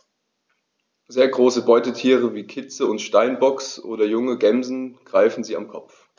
Sehr große Beutetiere wie Kitze des Steinbocks oder junge Gämsen greifen sie am Kopf.